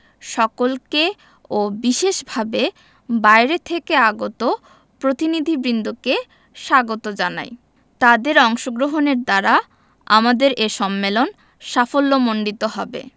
সকলকে ও বিশেষভাবে বাইরে থেকে আগত প্রতিনিধিবৃন্দকে স্বাগত জানাই তাদের অংশগ্রহণের দ্বারা আমাদের এ সম্মেলন সাফল্যমণ্ডিত হবে